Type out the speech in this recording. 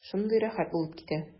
Шундый рәхәт булып китә.